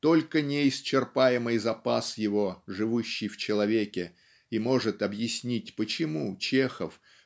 только неисчерпаемый запас его живущий в человеке и может объяснить почему Чехов